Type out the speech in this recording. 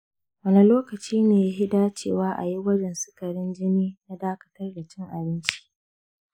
wane lokaci ne yafi dacewa ayi gwajin sukarin jini na dakatar da cin abinci?